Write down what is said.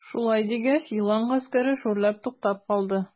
Шулай дигәч, елан гаскәре шүрләп туктап калды.